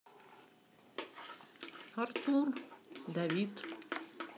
артур давид